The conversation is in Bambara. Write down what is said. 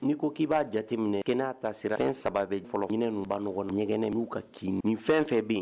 Ni ko k'i b'a jateminɛ kɛ n'a ta sira fɛn saba bɛ fɔlɔ ninnuba nɔgɔ ɲɛgɛnɛnɛ n'u ka kin nin fɛn fɛn bɛ yen